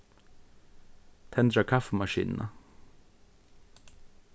tendra kaffimaskinuna